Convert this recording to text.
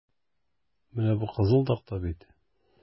Менә бу кызыл такта бит?